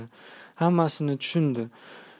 hammasini tushundi